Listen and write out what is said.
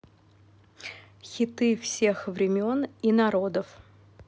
хиты всех времен и народов